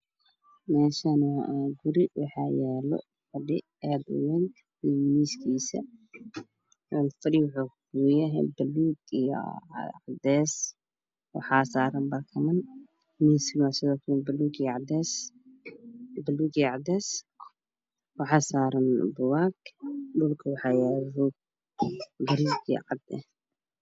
Meeshani waa guri waxaa yaalo fadhi aad uwayn iyo miiskiisa midabka fa dhiga wax uu ka koobanyahay buluug iyo cadees waxaa saran barkiman miiskana sido kale buluug iyo cadees waxaa saran bugaag dhulka waxaa yaalo roog biringi cad eh